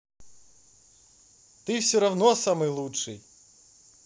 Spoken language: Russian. ты все равно самый лучший